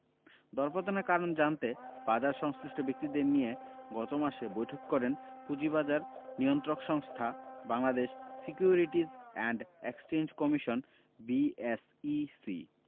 দরপতনের কারণ জানতে বাজারসংশ্লিষ্ট ব্যক্তিদের নিয়ে গত মাসে বৈঠক করেন পুঁজিবাজার নিয়ন্ত্রক সংস্থা Bangladesh securities and exchange commission BSEC